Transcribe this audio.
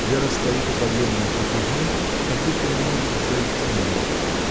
Вера стоит у подъема на крутизну, как будто не может взойти на нее.